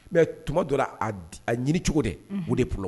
Mɛ tuma dɔ a ɲini cogo de o de bolo